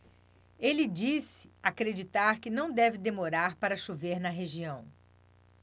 ele disse acreditar que não deve demorar para chover na região